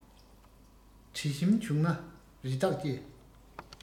དྲི ཞིམ འབྱུང ན རི དྭགས ཀྱི